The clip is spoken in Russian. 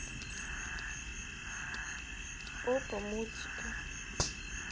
попа мультики